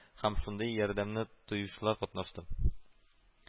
Һәм шундый ярдәмне тоючылар катнашты